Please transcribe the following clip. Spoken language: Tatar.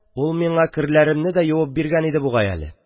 Ул миңа керләремне дә юып биргән иде бугай әле.